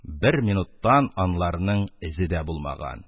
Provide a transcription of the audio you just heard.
Бер минуттан анларның эзе дә булмаган.